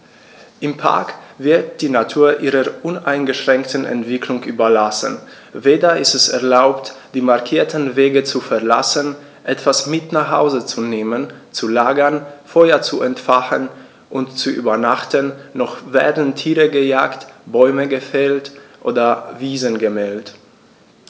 Im Park wird die Natur ihrer uneingeschränkten Entwicklung überlassen; weder ist es erlaubt, die markierten Wege zu verlassen, etwas mit nach Hause zu nehmen, zu lagern, Feuer zu entfachen und zu übernachten, noch werden Tiere gejagt, Bäume gefällt oder Wiesen gemäht.